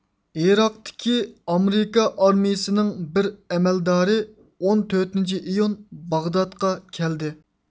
ئىراقتىكى ئامېرىكا ئارمىيىسىنىڭ بىر ئەمەلدارى ئون تۆتىنچى ئىيۇن باغدادقا كەلدى